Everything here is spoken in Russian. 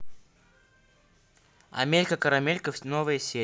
амелька карамелька новые серии